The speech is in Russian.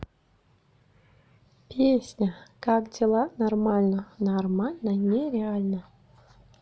песня как дела нормально нормально нереально